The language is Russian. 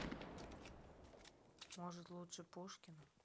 может лучше пушкина